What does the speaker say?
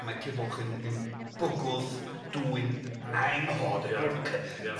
A mae Culhwch yn yn bwgwth dwyn anghlod...Ia. ...y gwrth cy- ... Ia.